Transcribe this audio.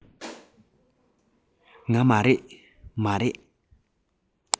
ངས མ རེད མ རེད